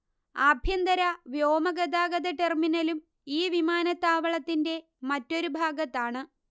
ആഭ്യന്തര വ്യോമഗതാഗത ടെർമിനലും ഈ വിമാനത്താവളത്തിന്റെ മറ്റൊരു ഭാഗത്താണ്